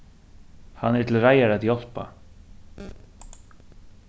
hann er til reiðar at hjálpa